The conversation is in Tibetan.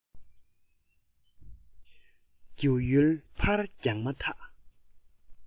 སྒེའུ ཡོལ ཕར བརྒྱངས མ ཐག